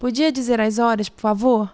podia dizer as horas por favor